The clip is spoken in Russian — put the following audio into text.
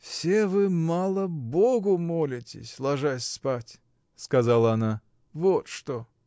— Все вы мало Богу молитесь, ложась спать, — сказала она, — вот что!